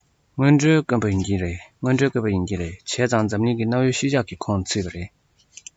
དངོས འབྲེལ དཀོན པོ ཡིན གྱི རེད བྱས ཙང འཛམ གླིང གི གནའ བོའི ཤུལ བཞག ཁོངས སུ བཞག པ རེད